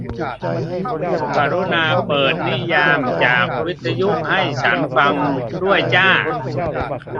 กรุณาเปิดนิยามจากวิทยุให้ฉันฟังด้วยจ้า